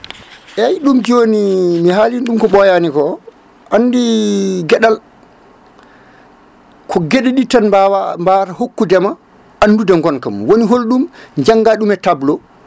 eyyi ɗum joni mi haalino ɗum ko ɓooyani ko andi gueɗal ko gueɗe ɗiɗi tan mbawa mbawata hokkudema andude gonka mum woni holɗum jangga ɗum e tableau